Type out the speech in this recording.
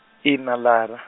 ina lara.